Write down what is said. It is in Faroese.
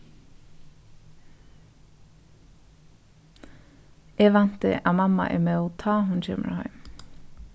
eg vænti at mamma er móð tá hon kemur heim